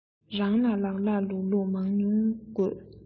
རང ལ ལགས ལགས ལུགས ལུགས མང ཉུང དགོས